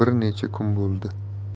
bir necha kun bo'ldi